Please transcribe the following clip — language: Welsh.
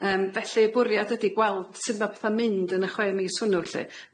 Yym felly y bwriad ydi gweld sut ma' petha'n mynd yn y chwe mis hwnnw lly.